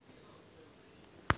тайна семьи монстров